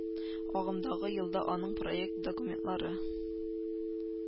Агымдагы елда аның проект документлары